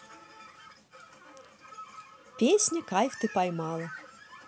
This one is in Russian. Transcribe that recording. песня кайф ты поймала